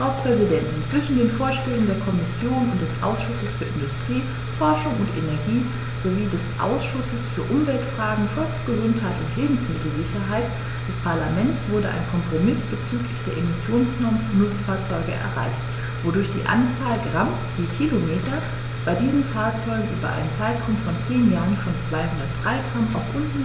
Frau Präsidentin, zwischen den Vorschlägen der Kommission und des Ausschusses für Industrie, Forschung und Energie sowie des Ausschusses für Umweltfragen, Volksgesundheit und Lebensmittelsicherheit des Parlaments wurde ein Kompromiss bezüglich der Emissionsnormen für Nutzfahrzeuge erreicht, wodurch die Anzahl Gramm je Kilometer bei diesen Fahrzeugen über einen Zeitraum von zehn Jahren von 203 g